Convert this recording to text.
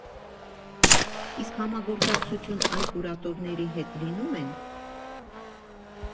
Իսկ համագործակցություն այլ կուրատորների հետ լինու՞մ են։